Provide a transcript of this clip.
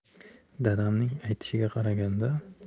dadamning aytishiga qaraganda